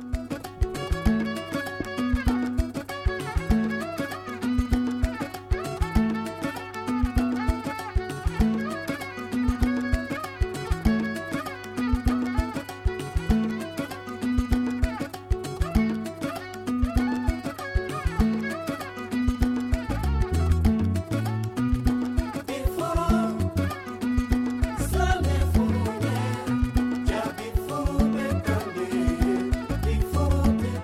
Nk laban